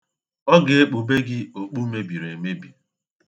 Ọ ga-ekpube gị okpu mebiri emebi.